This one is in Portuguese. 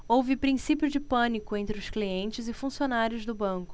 houve princípio de pânico entre os clientes e funcionários do banco